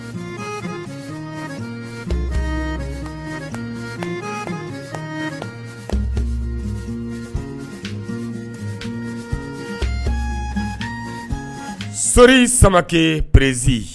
San sori samabakɛ prezsi